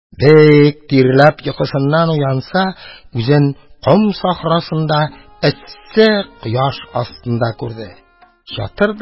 Бик тирләп йокысыннан уянса, үзен ком сахрасында эссе кояш астында күрде